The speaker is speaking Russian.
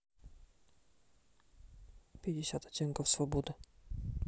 пятьдесят оттенков свободы